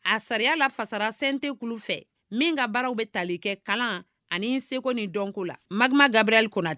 A sariya la fasarasentee fɛ min ka baaraw bɛ tali kɛ kalan ani n seko nin dɔnko la ma gabra kɔnɔ ten